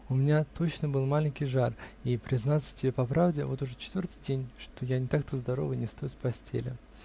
У меня точно был маленький жар, и, признаться тебе по правде, вот уж четвертый день, что я не так-то здорова и не встаю с постели.